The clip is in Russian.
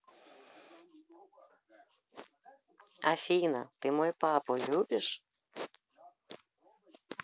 афина ты мой папу любишь